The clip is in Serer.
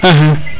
axa